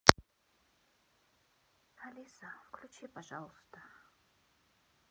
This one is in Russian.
алиса включи пожалуйста